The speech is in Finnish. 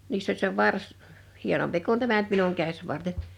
niissä oli se varsi hienompi kuin tämä nyt minun käsivarteni